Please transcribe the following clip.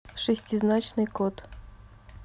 шестизначный код